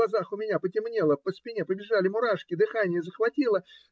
в глазах у меня потемнело, по спине побежали мурашки, дыхание захватило.